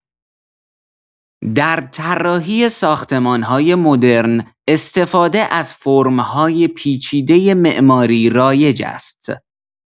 در طراحی ساختمان‌های مدرن، استفاده از فرم‌های پیچیدۀ معماری رایج است.